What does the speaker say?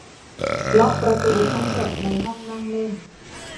ล็อกประตูทั้งหมดในห้องนั่งเล่น